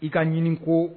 I ka ɲini ko